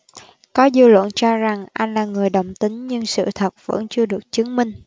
có dư luận cho rằng anh là người đồng tính nhưng sự thật vẫn chưa được chứng minh